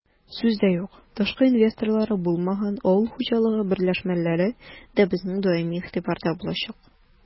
Сүз дә юк, тышкы инвесторлары булмаган авыл хуҗалыгы берләшмәләре дә безнең даими игътибарда булачак.